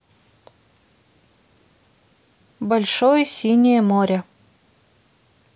большое синее море